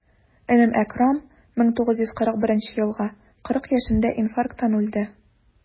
Энем Әкрам, 1941 елгы, 40 яшендә инфаркттан үлде.